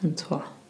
On' t'mo'